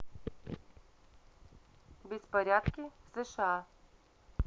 беспорядки в сша